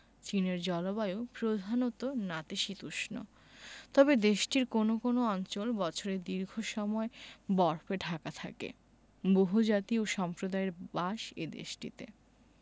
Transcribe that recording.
চীনের জলবায়ু প্রধানত নাতিশীতোষ্ণ তবে দেশটির কোনো কোনো অঞ্চল বছরের দীর্ঘ সময় বরফে ঢাকা থাকে বহুজাতি ও সম্প্রদায়ের বাস এ দেশটিতে